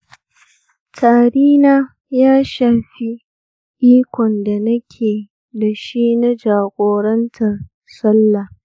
tari na ya shafi ikon da nake da shi na jagorantar sallah.